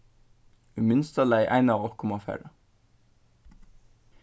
í minsta lagi ein av okkum má fara